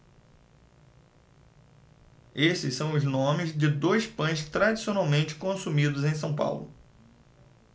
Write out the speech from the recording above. esses são os nomes de dois pães tradicionalmente consumidos em são paulo